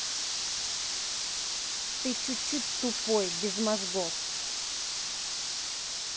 ты чуть чуть тупой без мозгов